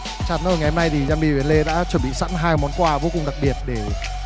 chắc chắn rồi ngày hôm nay thì dăn bi với lê đã chuẩn bị sẵn hai món quà vô cùng đặc biệt để